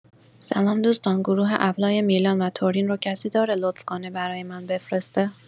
سلام دوستان، گروه اپلای میلان و تورین رو کسی داره لطف کنه برای من بفرسته؟